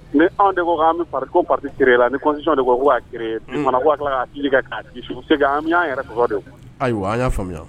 Ni ko pae la nisiɔn de ko'an yɛrɛ ayiwa an y'a faamuya